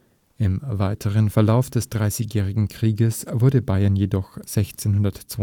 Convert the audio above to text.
Im weiteren Verlauf des Dreißigjährigen Kriegs wurde Bayern jedoch 1632 /